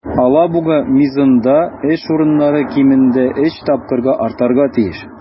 "алабуга" мизында эш урыннары кимендә өч тапкырга артарга тиеш.